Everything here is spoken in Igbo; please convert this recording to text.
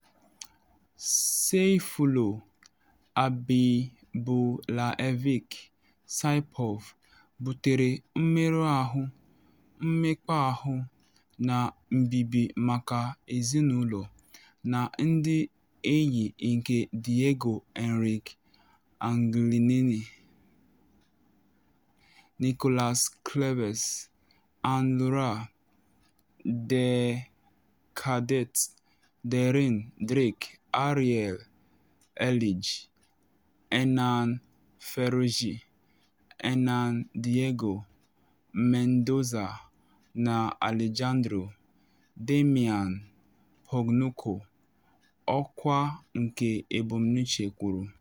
"Sayfullo Habibullaevic Saipov butere mmerụ ahụ, mmekpa ahụ, na mbibi maka ezinụlọ na ndị enyi nke Diego Enrique Angelini, Nicholas Cleves, Ann-Laure Decadt, Darren Drake, Ariel Erlij, Hernan Ferruchi, Hernan Diego Mendoza, na Alejandro Damian Pagnucco," ọkwa nke ebumnuche kwuru.